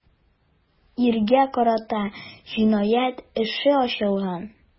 Иргә карата җинаять эше ачылган.